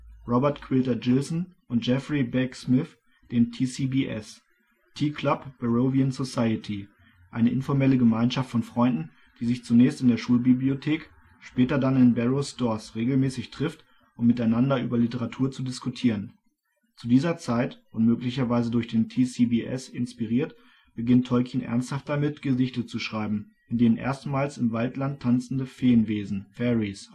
Robert Quilter Gilson und Geoffrey Bache Smith, den T.C.B.S. (Tea Club – Barrovian Society), eine informelle Gemeinschaft von Freunden, die sich zunächst in der Schulbibliothek, später dann in Barrow 's Stores regelmäßig trifft, um miteinander über Literatur zu diskutieren. Zu dieser Zeit und möglicherweise durch den T.C.B.S. inspiriert, beginnt Tolkien ernsthaft damit, Gedichte zu schreiben, in denen erstmals im Waldland tanzende Feenwesen (fairies